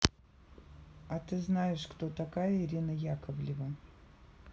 а ты знаешь кто такая ирина яковлева